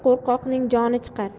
qo'rqoqning joni chiqar